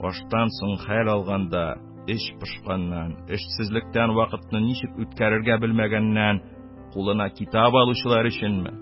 Аштан соң хәл алганда, эч пошканнан, эшсезлектән вакытны ничек үткәрергә белмәгәннән кулына китап алучылар өченме?